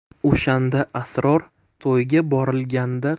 o'shanda asror to'yga borilganda